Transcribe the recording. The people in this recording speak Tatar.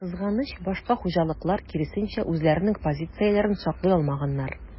Кызганыч, башка хуҗалыклар, киресенчә, үзләренең позицияләрен саклый алмаганнар.